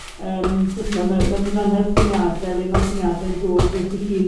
Yym so ch'mo' ma' ma'r ffynonnell syniade le ma'r syniade'n dod beth 'ych chi'n